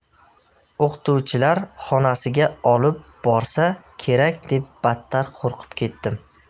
o'qituvchilar xonasiga olib borsa kerak deb battar qo'rqib ketdim